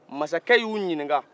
masakɛ y'u ɲinika